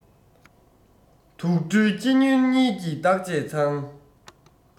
དུག སྦྲུལ ཁྱི སྨྱོན གཉིས ཀྱི བརྟག དཔྱད ཚང